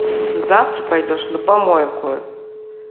завтра пойдешь на помойку